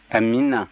amiina